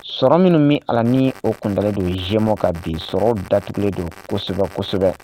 Sɔrɔ minnu bɛ ala ni o kundalen don zemo ka bin sɔrɔ datlen don kosɛbɛ kosɛbɛ